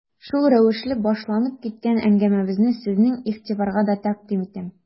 Шул рәвешле башланып киткән әңгәмәбезне сезнең игътибарга да тәкъдим итәм.